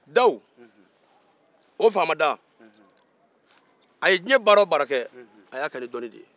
dawu o faama da a ye diɲɛ baara o baarakɛ a y'a kɛ ni dɔnni de ye